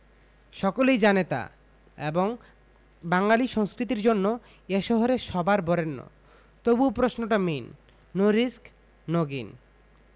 সকলেই জানে তা এবং বাঙালী সংস্কৃতির জন্য এ শহরে সবার বরেণ্য তবুও প্রশ্নটা main no risk no gain